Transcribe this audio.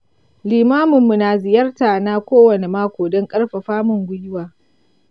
limaminmu na ziyarta na kowane mako don karfafa min gwiwa.